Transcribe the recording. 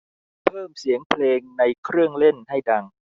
เพิ่มเสียงเพลงในเครื่องเล่นให้ดัง